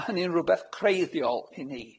Ma' hynny'n rwbeth creiddiol i ni.